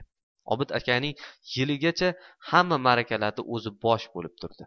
obid akaning yiligacha hamma ma'rakalarida o'zi bosh bo'lib turdi